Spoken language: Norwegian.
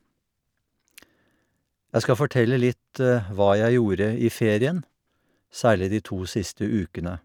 Jeg skal fortelle litt hva jeg gjorde i ferien, særlig de to siste ukene.